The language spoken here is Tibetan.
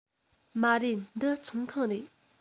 མ རེད འདི ཚོང ཁང རེད